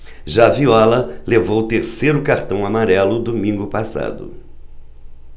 já viola levou o terceiro cartão amarelo domingo passado